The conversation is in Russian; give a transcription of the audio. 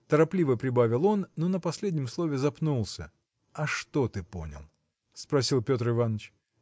– торопливо прибавил он, но на последнем слове запнулся. – А что ты понял? – спросил Петр Иваныч.